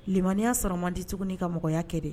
Maniiya sɔrɔma di tuguniuni ka mɔgɔya kɛ de